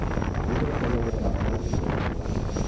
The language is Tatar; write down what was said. Бу мәкаләдә Рахмай күздә тотылган икән.